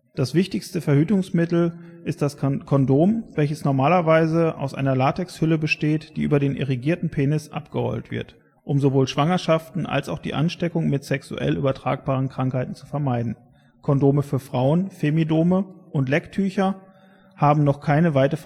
Das wichtigste Verhütungsmittel ist das Kondom, welcher normalerweise aus einer Latex-Hülle besteht, die über den erigierten Penis abgerollt wird, um sowohl Schwangerschaften als auch die Ansteckung mit sexuell übertragbaren Krankheiten zu vermeiden. Kondome für Frauen (Femidome) und Lecktücher haben noch keine weite